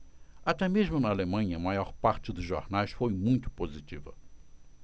até mesmo na alemanha a maior parte dos jornais foi muito positiva